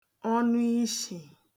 ọnụishì